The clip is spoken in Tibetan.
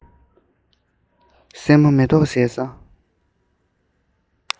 སྲས མོ མེ ཏོག བཞད ས